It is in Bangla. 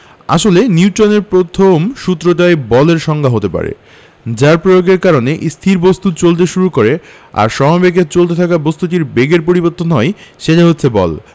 আসলে নিউটনের প্রথম সূত্রটাই বলের সংজ্ঞা হতে পারে যার প্রয়োগের কারণে স্থির বস্তু চলতে শুরু করে আর সমবেগে চলতে থাকা বস্তুর বেগের পরিবর্তন হয় সেটাই হচ্ছে বল